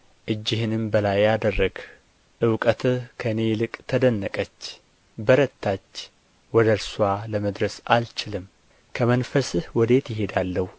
እጅህንም በላዬ አደረግህ እውቀትህ ከእኔ ይልቅ ተደነቀች በረታች ወደ እርስዋም ለመድረስ አልችልም ከመንፈስህ ወዴት እሄዳለሁ